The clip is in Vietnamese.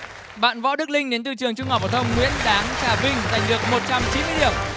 bạn võ đức linh đến từ trường trung học phổ thông nguyễn đáng trà vinh giành được một trăm chín mươi điểm